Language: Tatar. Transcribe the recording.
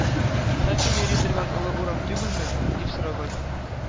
Һәркем йөри торган олы урам түгелме? — дип сораган.